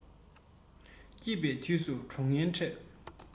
སྐྱིད པའི དུས སུ གྲོགས ངན འཕྲད